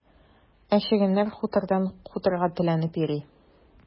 Ә чегәннәр хутордан хуторга теләнеп йөри.